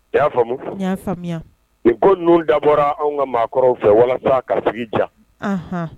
I y'a faamumu ya i ko ninnu da bɔra anw ka maakɔrɔw fɛ walasa kasigi jan